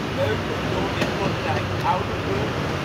Beuken-Doornik-Kortrijk-Oudenburg